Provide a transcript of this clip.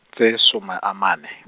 tse some amane.